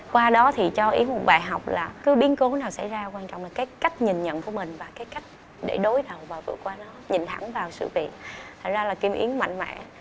qua đó thì cho yến một bài học là cứ biến cố nào xảy ra quan trọng là cái cách nhìn nhận của mình và cái cách để đối thẳng và vượt qua nó nhìn thẳng vào sự việc thành ra là kim yến mạnh mẽ